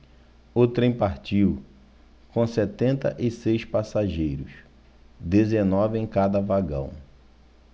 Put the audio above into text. o trem partiu com setenta e seis passageiros dezenove em cada vagão